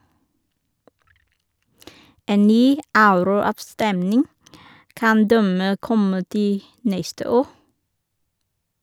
En ny euroavstemning kan dermed komme til neste år.